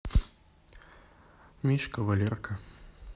мишка валерка